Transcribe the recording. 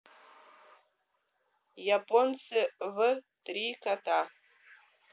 японцы в три кота